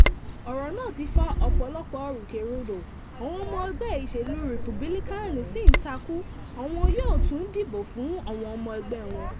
Ọ̀rọ̀ náà ti fa ọ̀pọ̀lọ̀pọ̀ rúkèrúdò, àwọn ọmọ ẹgbẹ́ ìṣèlú Rìpúbílíkáànì sì ń takú àwọn yóò tún dìbò fún àwọn ọmọ ẹgbẹ́ wọn.